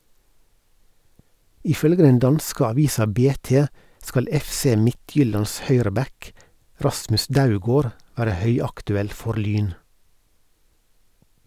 Ifølge den danske avisa BT skal FC Midtjyllands høyreback, Rasmus Daugaard, være høyaktuell for Lyn.